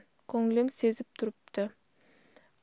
ko'nglim sezib turibdi